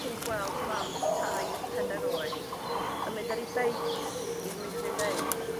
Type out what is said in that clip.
dach chi'n gweld plant tair pedair oed yn mynd ar 'u beics i'r meithrinfeydd